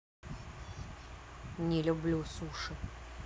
не люблю суши